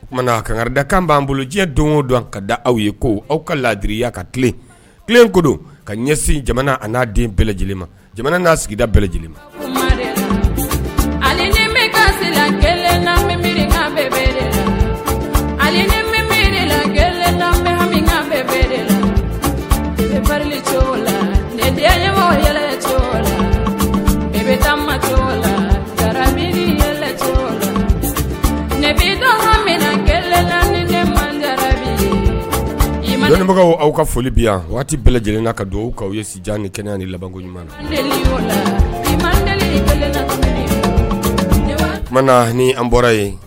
Tuma kankarida kan b'an bolo diɲɛ don o don ka da aw ye ko aw ka laadiriya ka tilen ko don ka ɲɛsin jamana an n'a den bɛɛlɛji ma jamana n'a sigida bɛɛlɛji ma la ali ni kelenrife la ali niri la kelen la la la ne la la ne kelenbagaw aw ka foli bi yan waati bɛɛ lajɛlenla ka don k'aw ye sijan ni kɛ ni labankoɲuman tuma ni an bɔra ye